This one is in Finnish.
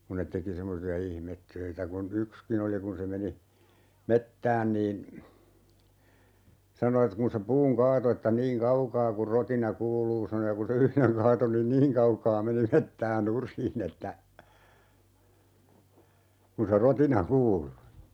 kun ne teki semmoisia ihmetöitä kun yksikin oli kun se meni metsään niin sanoi että kun se puun kaatoi että niin kaukaa kuin rotina kuuluu sanoi ja kun se yhden kaatoi niin niin kaukaa meni metsää nurin että kun se rotina kuului